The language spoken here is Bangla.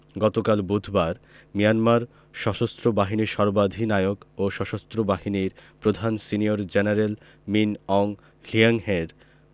গতকাল বুধবার মিয়ানমার সশস্ত্র বাহিনীর সর্বাধিনায়ক ও সশস্ত্র বাহিনীর প্রধান সিনিয়র জেনারেল মিন অং হ্লিয়াংয়ের